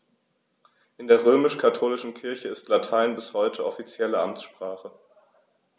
In der römisch-katholischen Kirche ist Latein bis heute offizielle Amtssprache.